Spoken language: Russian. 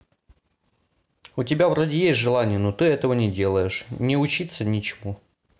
у тебя вроде есть желание но ты этого не делаешь не учиться ничему